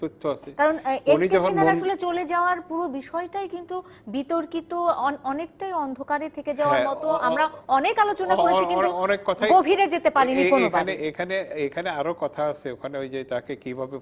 তথ্য আছে কারণ এস কে সিনহার আসলে চলে যাওয়ার পুরো বিষয়টি কিন্তু বিতর্কিত অনেকটা অন্ধকারে থেকে যাওয়ার মতো আমরা অনেক আলোচনা করেছি কিন্তু গভীরে যেতে পারিনি অনেক অনেক এখানে আরো কথা আছে ওখানে ওই যে তাকে কিভাবে